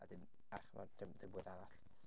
A dim... a chimod dim dim bwyd arall.